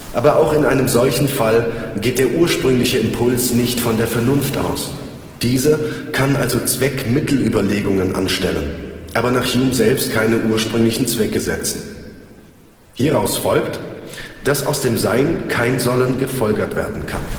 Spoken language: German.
Aber auch in einem solchen Fall geht der ursprüngliche Impuls nicht von der Vernunft aus. Diese kann also Zweck-Mittel-Überlegungen anstellen, aber nach Hume selbst keine ursprünglichen Zwecke setzen. Hieraus folgt, dass aus dem Sein kein Sollen gefolgert werden kann